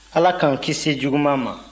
ala k'an kisi juguman ma